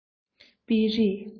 སྤེལ རེས